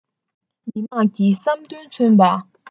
མི དམངས ཀྱི བསམ འདུན མཚོན པ